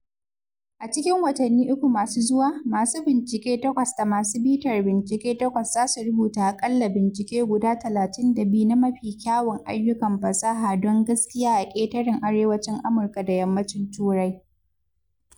A cikin watanni uku masu zuwa, masu bincike takwas da masu bitar bincike takwas za su rubuta aƙalla bincike guda 32 na mafi kyawun ayyukan fasaha don gaskiya a ƙetaren Arewacin Amurka da Yammacin Turai.